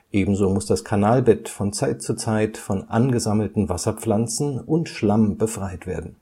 Ebenso muss das Kanalbett von Zeit zu Zeit von angesammelten Wasserpflanzen und Schlamm befreit werden